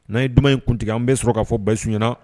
N'a ye duman in kuntigɛ an bɛ sɔrɔ k'a fɔ basisi ɲɛnaɲɛna